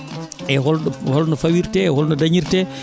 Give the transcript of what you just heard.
e holɗo holno fawirte holno dañirte